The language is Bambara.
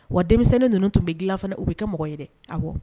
Wa denmisɛnnin ninnu tun bɛ dilan fana u bɛ kɛ mɔgɔ ye a